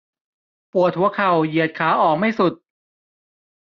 ปวดหัวเข่าเหยียดขาออกไม่สุด